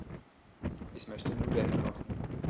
Ich möchte Nudeln kochen.